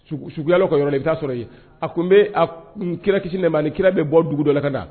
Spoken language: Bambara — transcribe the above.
Suguya ka yɔrɔ i t'a sɔrɔ yen a ko n bɛ kira kisi de ma ni kira bɛ bɔ dugu dɔ la ka da